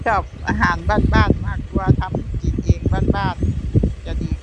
ชอบอาหารบ้านบ้านมากกว่า ทำกินเองบ้านบ้านจะดี